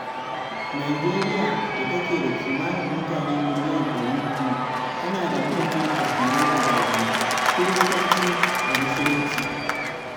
Nijeriya da take da kimanin mutane miliyon 200, tana da manyan addinai guda biyu: Kiristanci da Musulunci.